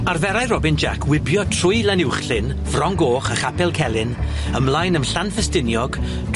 Arferai Robin Jac wibio trwy Llanuwchllyn, Fron Goch, a Chapel Celyn ymlaen am Llanffestiniog,